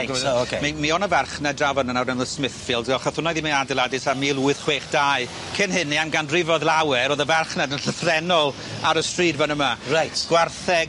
Reit o ocê. Mi mi o' 'ny farchnad draw fyn 'na nawr enw Smithfields hwnna ddim 'i adeiladu tan mil wyth chwech dau cyn hynny am ganrifoedd lawer o'dd y farchnad yn llythrennol ar y stryd fyn yma... Reit. ...gwartheg